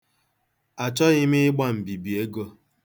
Achọghị m ịgba mbibi ego.